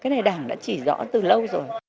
cái này đảng đã chỉ rõ từ lâu rồi